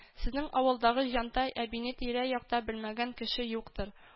Сезнең авылдагы Җантай әбине тирә-якта белмәгән кеше юктыр